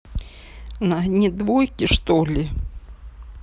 на одни двойки что ли